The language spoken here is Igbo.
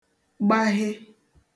gbahe